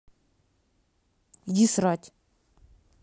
иди срать